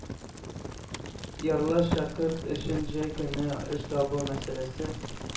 Ярлы шәкерт өчен җәй көне эш табу мәсьәләсе,